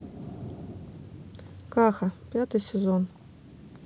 каха пятый сезон